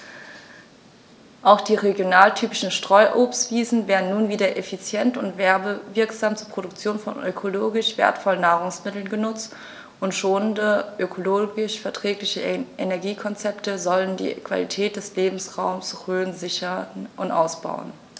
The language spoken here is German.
Auch die regionaltypischen Streuobstwiesen werden nun wieder effizient und werbewirksam zur Produktion von ökologisch wertvollen Nahrungsmitteln genutzt, und schonende, ökologisch verträgliche Energiekonzepte sollen die Qualität des Lebensraumes Rhön sichern und ausbauen.